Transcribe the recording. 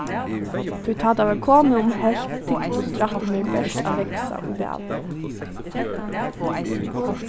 tí tá tað var komið um helvt tyktust rættirnir bert at vaksa í vavi